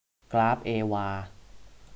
กราฟเอวา